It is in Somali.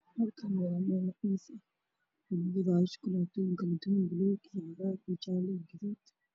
Meeshaan waa meel dukaan ah waxaa loo gadaatooyin kala ah guduud midoobay